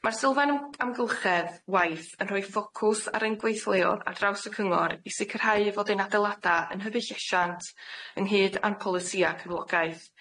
Ma'r sylfaen amgylchedd waith yn rhoi ffocws ar ein gweithleuwr ar draws y cyngor i sicrhau fod ein adeilada' yn hybu llesiant ynghyd â'n polisia cyflogaeth.